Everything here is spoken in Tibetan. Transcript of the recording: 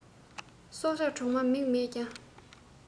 སྲོག ཆགས གྲོག མ མིག མེད ཀྱང